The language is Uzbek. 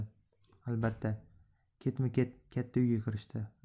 albatta ketma ket katta uyga kirishdi